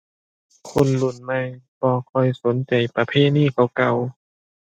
คนรุ่นใหม่บ่ค่อยสนใจประเพณีเก่าเก่า